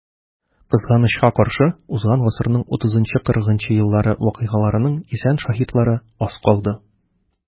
Кызганычка каршы, узган гасырның 30-40 еллары вакыйгаларының исән шаһитлары аз калды.